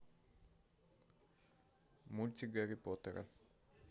мультик гарри поттера